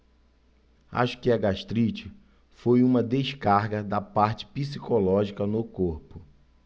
acho que a gastrite foi uma descarga da parte psicológica no corpo